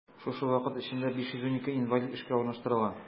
Шушы вакыт эчендә 512 инвалид эшкә урнаштырылган.